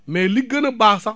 mais li gën a baax sax